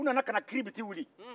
u nana ka kiribiti wuli